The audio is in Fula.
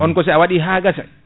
on ka sa waɗi ha gassa